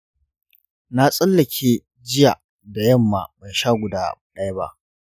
na tsallake jiya da yamma bansha guda daya ba.